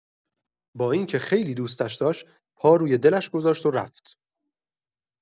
با اینکه خیلی دوستش داشت، پا روی دلش گذاشت و رفت.